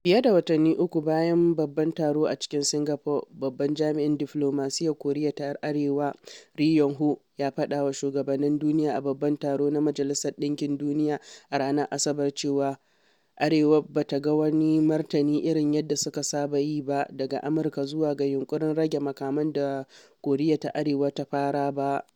Fiye da watanni uku bayan babban taro a cikin Singapore, babban jami’in diflomasiyyar Koriya ta Arewa Ri Yong Ho ya faɗa wa shugabannin duniya a Babban Taro na Majalisar Ɗinkin Duniya a ranar Asabar cewa Arewar ba ta ga wani “martani irin yadda suka yi ba” daga Amurka zuwa ga yinƙurin rage makaman da Koriya ta Arewar ta fara ba.